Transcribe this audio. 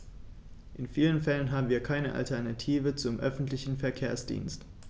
In vielen Fällen haben wir keine Alternative zum öffentlichen Verkehrsdienst.